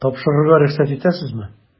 Тапшырырга рөхсәт итәсезме? ..